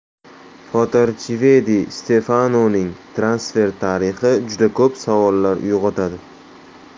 footarchivedi stefanoning transfer tarixi juda ko'p savollar uyg'otadi